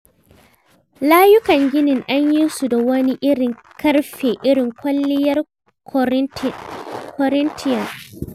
Layukan ginin an yi su da wani irin ƙarfe irin kwalliyar Corinthian.